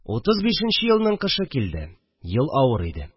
Утыз бишенче елның кышы килде – ел авыр иде